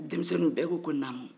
denmisɛniw bɛɛ ko naamu